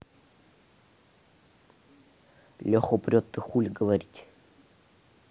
леху прет ты хули говорить